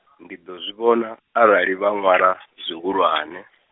ndi ḓo zwi vhona, arali vha ṅwala, zwihulwane.